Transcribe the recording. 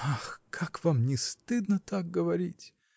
-- Ах, как вам не стыдно так говорить!